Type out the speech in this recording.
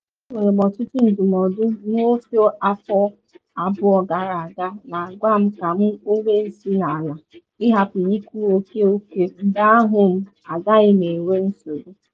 Enwere m ọtụtụ ndụmọdụ n’ofe afọ abụọ gara aga na agwa m ka m owe isi n’ala, ịhapụ ikwu oke okwu mgbe ahụ ‘m agaghị enwe nsogbu.”